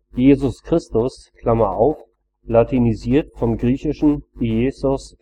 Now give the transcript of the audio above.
Jesus Christus (latinisiert vom Griechischen Ἰησοῦς Χριστός